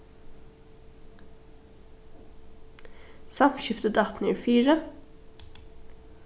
samskiftið datt niðurfyri